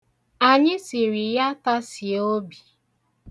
Anỵi sịrị ya tasie obi.